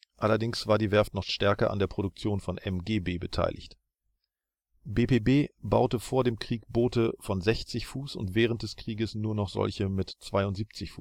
Allerdings war die Werft noch stärker an der Produktion von MGB beteiligt. BPB baute vor dem Krieg Boote von 60 ft und während des Krieges nur noch solche mit 72